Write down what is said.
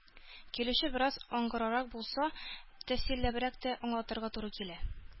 Килүче бераз аңгырарак булса, тәфсилләбрәк тә аңлатырга туры килә.